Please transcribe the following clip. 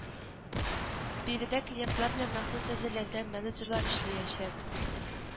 Биредә клиентлар белән махсус әзерләнгән менеджерлар эшләячәк